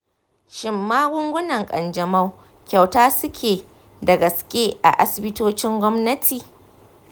shin magungunan kanjamau kyauta suke da gaske a asibitocin gwamnati?